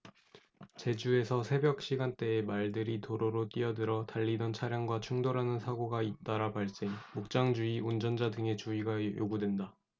제주에서 새벽시간대에 말들이 도로로 뛰어들어 달리던 차량과 충돌하는 사고가 잇따라 발생 목장주와 운전자 등의 주의가 요구된다